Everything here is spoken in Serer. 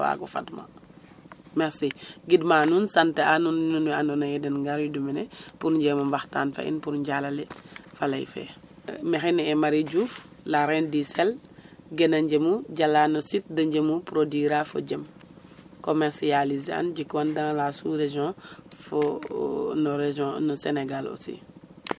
A waag o fadma merci gidmaa nuun sante'a nuun nuun we andoona yee nuun ngaridu mene pour njem o mbaxtaan fa in pour njala le faley fe maxey ne'e Marie Diouf la reine du sel gena Njemu jala no sit de Njemu produire a fo jem commercialiser an jekwan dans la sous région fo no region no Senegal aussi